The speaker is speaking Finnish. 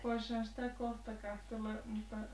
voisihan sitä kohta katsella mutta